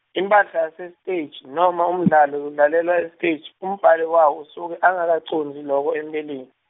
imphahla yasesiteji, noma umdlalo udlalelwa esiteji, umbhali wawo usuke angakacondzi loko empeleni.